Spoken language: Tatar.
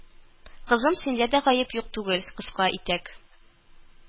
Кызым, синдә дә гаеп юк түгел, кыска итәк